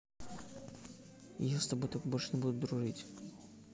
я с тобой так не будут дружить